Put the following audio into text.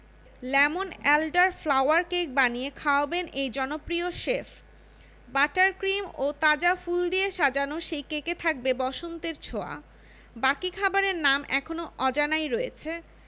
lemon elderflower cake বানিয়ে খাওয়াবেন এই জনপ্রিয় শেফ বাটার ক্রিম ও তাজা ফুল দিয়ে সাজানো সেই কেকে থাকবে বসন্তের ছোঁয়া বাকি খাবারের নাম এখনো অজানাই রয়েছে